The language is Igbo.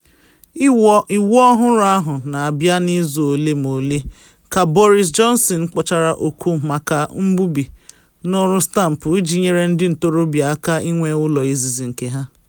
Iwu ọhụrụ ahụ na abịa n’izu ole ma ole ka Boris Johnson kpọchara oku maka mgbubi n’ọrụ stampụ iji nyere ndị ntorobịa aka ịnwe ụlọ izizi nke ha.